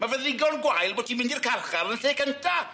Ma' fe'n ddigon gwael bo' ti'n mynd i'r carchar yn lle cynta.